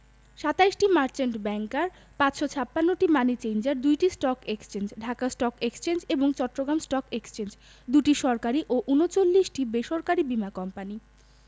২৭টি merchant banker ৫৫৬টি money changer ২টি stock exchange Dhaka stock exchange এবং চট্টগ্রাম স্টক এক্সচেঞ্জ ২টি সরকারি ও ৩৯টি বেসরকারি বীমা কোম্পানি